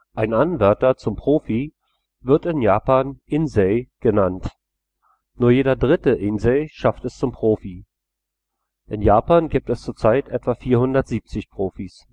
Ein Anwärter zum Profi wird in Japan insei genannt. Nur jeder dritte Insei schafft es zum Profi. In Japan gibt es zurzeit etwa 470 Profis